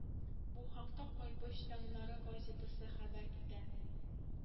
Бу хакта кайбыч таңнары газетасы хәбәр итә